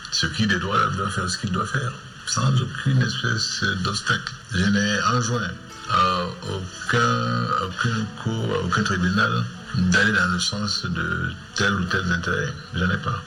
Sokɛki de dɔw dɔfɛ sigi dɔfɛ yan dɔta anson ɔ ka ko bɛ na n da tɛ u tɛ n tɛ ye ne pa